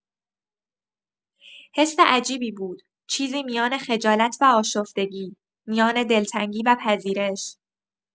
حس عجیبی بود، چیزی میان خجالت و آشفتگی، میان دلتنگی و پذیرش.